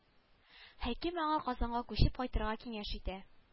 Хәким аңа казанга күчеп кайтырга киңәш итә